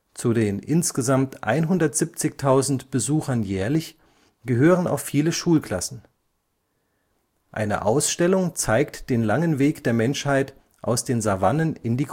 Zu den insgesamt 170.000 Besuchern jährlich gehören auch viele Schulklassen. Eine Ausstellung zeigt den langen Weg der Menschheit aus den Savannen in die